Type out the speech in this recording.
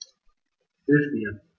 Hilf mir!